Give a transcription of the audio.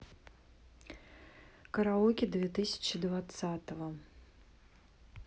караоке две тысячи двадцатого